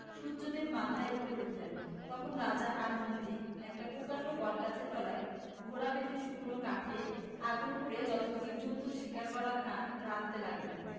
সূর্যদেব মাথার উপর উঠলেন তখন রাজা আর মন্ত্রী একটা প্রকাণ্ড বটগাছের তলায় ঘোড়া বেঁধে শুকনো কাঠে আগুন করে যত জীবজন্তুর শিকার করা কান রাঁধতে লাগলেন